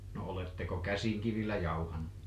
no oletteko käsinkivillä jauhanut